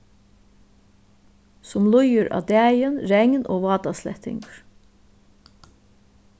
sum líður á dagin regn og vátaslettingur